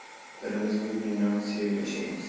birimiz bu dunyoni sevib yashaymiz